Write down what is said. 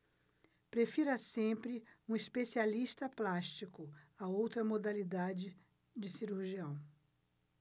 prefira sempre um especialista plástico a outra modalidade de cirurgião